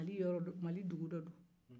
mali yɔrɔ dɔ mali dugu dɔ do